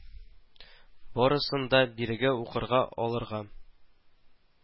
Барысын да бирегә укырга алырга